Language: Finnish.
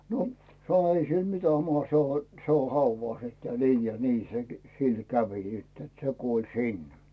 no sanoi ei sille mitään mahda se on se on haudassa että niin ja niin se sillä kävi sitten että se kuoli sinne